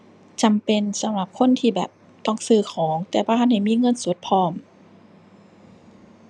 จำเป็นสำหรับคนที่แบบต้องซื้อของ แต่บ่ทันได้มีเงินสดพร้อม